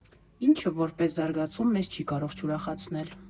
Ինչը, որպես զարգացում, մեզ չի կարող չուրախացնել։